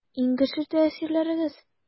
Иң көчле тәэсирләрегез?